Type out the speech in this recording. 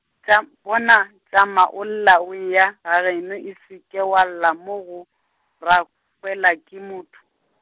tša m-, bona tšama o lla, go ya ga geno e se ke wa lla mo go, ra hwela ke motho.